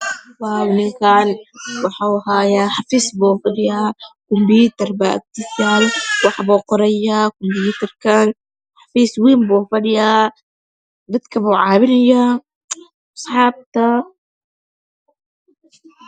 Ninkan wuxuu hayaa xafiis buu fa dhiyaa kmbiyutar baa agtiisa yaalo waxbuu qorarayaaa komiyutar ka xafiis wayn buu fadhiyaa dad ka buu cawinayaa